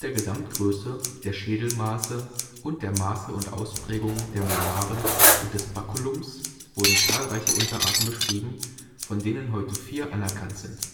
der Gesamtgröße, der Schädelmaße und der Maße und Ausprägung der Molaren und des Baculums wurden zahlreiche Unterarten beschrieben, von denen heute vier anerkannt sind.